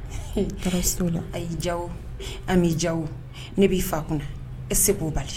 Ja bɛ ja ne b'i fa kunna e se b'o bali